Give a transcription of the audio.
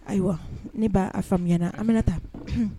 Ayiwa ne b'a faamuya an bɛna taa